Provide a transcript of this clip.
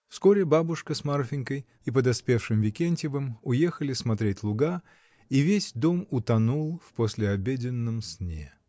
Вскоре бабушка с Марфинькой и подоспевшим Викентьевым уехали смотреть луга, и весь дом утонул в послеобеденном сне.